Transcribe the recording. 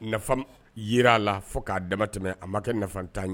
Nafa yera la fo ka dama tɛmɛ a ma kɛ nafatan ye.